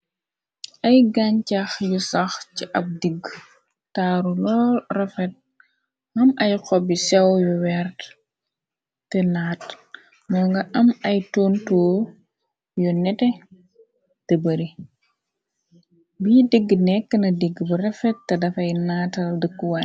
Ai gañchax yu sax ci ab digg taaru loo rafet am ay xobi sew yu wert te naat moo nga am ay tontoor yo nete te bari bi digg nekk na digg bu refet te dafay naatal deku wai.